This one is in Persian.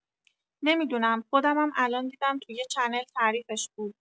نمی‌دونم خودمم الان دیدم تو یه چنل تعریفش بود